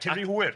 Ti ry hwyr.